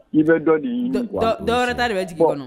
I bɛ dɔ di dɔw wɛrɛ da de bɛ jigin kɔnɔ